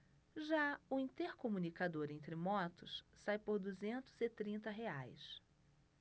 já o intercomunicador entre motos sai por duzentos e trinta reais